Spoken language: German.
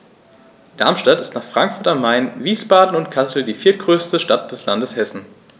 Darmstadt ist nach Frankfurt am Main, Wiesbaden und Kassel die viertgrößte Stadt des Landes Hessen